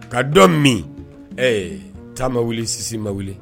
Ka dɔ min ɛɛ taama wuli sisi ma wuli